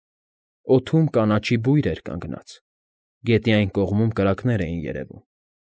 Օդում կանաչի բույր էր կանգնած, գետի այն կողմում կրակներ էին երևում։